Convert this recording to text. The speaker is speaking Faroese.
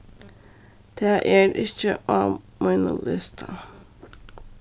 tað er ikki á mínum lista